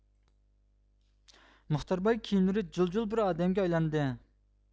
مۇختەر باي كىيىملىرى جۇل جۇل بىر ئادەمگە ئايلاندى